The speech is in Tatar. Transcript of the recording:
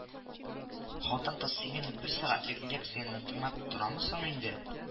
Хытын-кыз синен бер сәгатьлек лекцияңне тынлап торамы соң инде